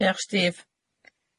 Diolch Steve.